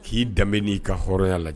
K'i danbe n'i ka hɔrɔnya lajɛ